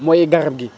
mooy garab gi